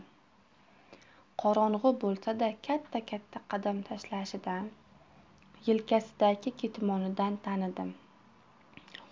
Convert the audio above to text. qorong'i bo'lsa da katta katta qadam tashlashidan yelkasidagi ketmonidan tanidim